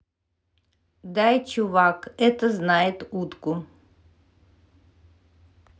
дай чувак это знает утку